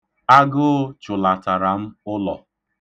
Agụụ chụlatara m ụlọ.